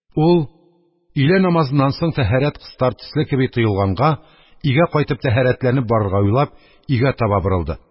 Ул өйлә намазыннан соң тәһарәт кыстар төсле кеби тоелганга, өйгә кайтып тәһарәтләнеп барырга уйлап, өйгә таба борылды.